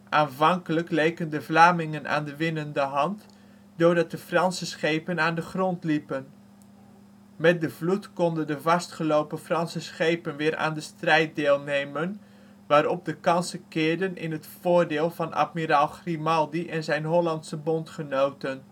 Aanvankelijk leken de Vlamingen aan de winnende hand, doordat de Franse schepen aan de grond liepen. Met vloed konden de vastgelopen Franse schepen weer aan de strijd deelnemen, waarop de kansen keerden in het voordeel van admiraal Grimaldi en zijn Hollandse bondgenoten